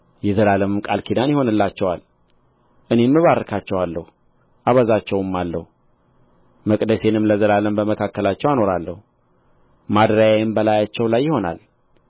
የዘላለምም ቃል ኪዳን ይሆንላቸዋል እኔም እባርካቸዋለሁ አበዛቸውማለሁ መቅደሴንም ለዘላለም በመካከላቸው አኖራለሁ ማደሪያዬም በላያቸው ላይ ይሆናል